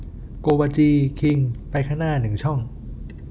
โกวาจีคิงไปข้างหน้าหนึ่งช่อง